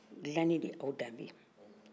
dilanin de y'aw dambe ye